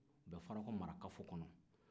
o bɛ farako marakafo kɔnɔ